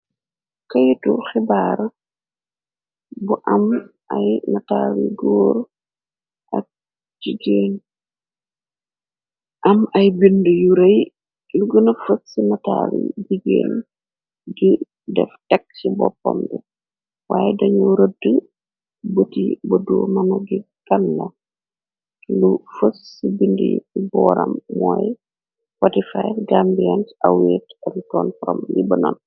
Keytu xibaar bu am ay nataali góor ak gigeen, am ay bindi yu rëy lu gëna fës ci nataali jigéen gi def tekk ci boppom bi. Waaye dañu rëdd buti buddu mëna gi kànla, lu fës ci bindi booram mooy 3 gambiAN await return from libanor.